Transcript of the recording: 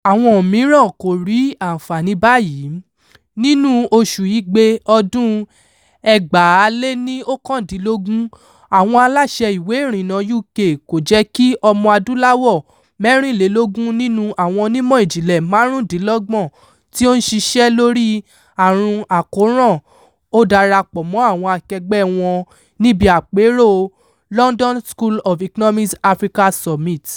Àwọn mìíràn kò rí àǹfààní báyìí. Nínúu oṣùu Igbe ọdún-un 2019, àwọn aláṣẹ ìwé ìrìnnà UK kò jẹ́ kí ọmọ adúláwọ̀ 24 nínúu àwọn onímọ̀ ìjìnlẹ̀ 25 tí ó ń ṣiṣẹ́ lóríi àrùn àkóràn ó darapọ̀ mọ́ àwọn akẹgbẹ́ẹ wọn níbi àpérò London School of Economics Africa Summit.